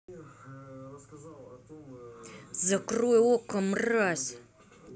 закрой okko мразь